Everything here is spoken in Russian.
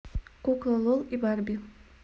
кукла лол и барби